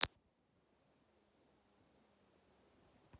обычная порция